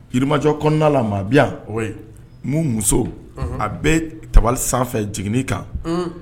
Yirimajɔ kɔnɔna la maa bɛ yan ouais min muso a bɛ table sanfɛ jigin kan, unh !